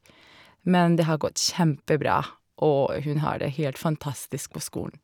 Men det har gått kjempebra, og hun har det helt fantastisk på skolen.